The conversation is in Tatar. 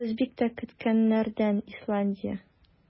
Без бик тә көткәннәрдән - Исландия.